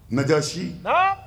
Na si